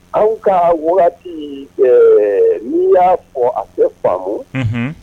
Anw ka waati wagati ni y'a fɔ a fɛ faamu